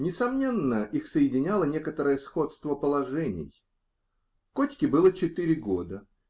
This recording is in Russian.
Несомненно, их соединяло некоторое сходство положений. Котьке было четыре года